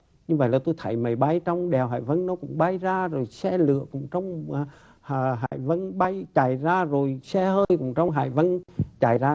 như vậy là tôi thấy máy bay trong đèo hải vân nó cũng bay ra rồi xe lửa cũng trong hải vân bay chạy ra rồi xe hơi cũng trong hải vân chạy ra